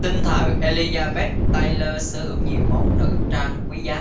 sinh thời elizabeth taylor sở hữu nhiều món nữ trang quý giá